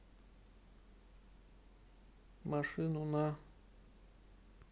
машину на